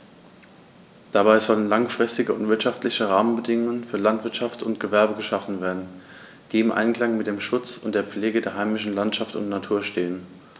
Dabei sollen langfristige und wirtschaftliche Rahmenbedingungen für Landwirtschaft und Gewerbe geschaffen werden, die im Einklang mit dem Schutz und der Pflege der heimischen Landschaft und Natur stehen.